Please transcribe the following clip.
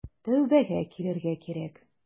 Тәүбәгә килергә кирәк.